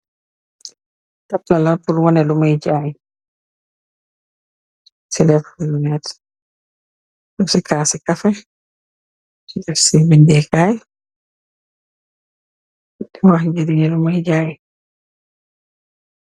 Tabla la, pur wane lum mooy jaay. Caas si cafe,